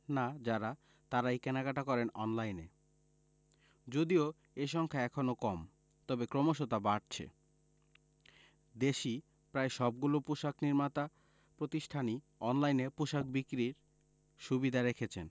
না যাঁরা তাঁরাই কেনাকাটা করেন অনলাইনে যদিও এ সংখ্যা এখনো কম তবে ক্রমশ তা বাড়ছে দেশি প্রায় সবগুলো পোশাক নির্মাতা প্রতিষ্ঠানই অনলাইনে পোশাক বিক্রির সুবিধা রেখেছে